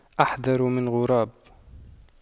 أحذر من غراب